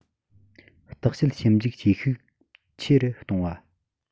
བརྟག དཔྱད ཞིབ འཇུག བྱེད ཤུགས ཆེ རུ གཏོང བ